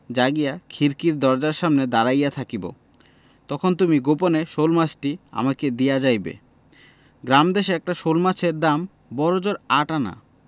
জাগিয়া খিড়কির দরজার সামনে দাঁড়াইয়া থাকিব তখন তুমি গোপনে শোলমাছটি আমাকে দিয়া যাইবে গ্রামদেশে একটি শোলমাছের দাম বড়জোর আট আনা